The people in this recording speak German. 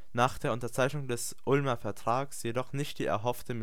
nach der Unterzeichnung des Ulmer Vertrags jedoch nicht die erhoffte